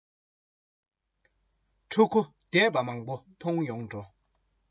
ཕ མ ཤི བ མང པོ བྱུང ཡོད འགྲོ